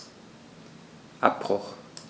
Abbruch.